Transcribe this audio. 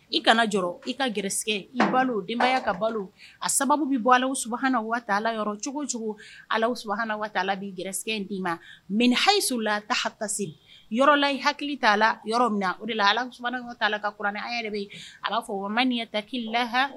I kana jɔ i ka ggɛ i balo denbayaya ka balo a sababu bɛ bɔ ala waa la yɔrɔ cogo cogo alatala' ggɛ in d'i ma mɛ hasola ta hase yɔrɔlahi hakili t'a la yɔrɔ min o de la ala t'a la ka kuran an yɛrɛ bɛ yen a b'a fɔ man ni ka taki laha